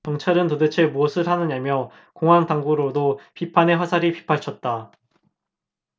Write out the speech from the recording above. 경찰은 도대체 무엇을 하느냐며 공안당국으로도 비판의 화살이 빗발쳤다